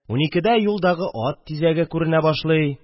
Уникедә юлдагы ат тизәге күренә башлый